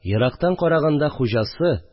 Ерактан караганда хуҗасы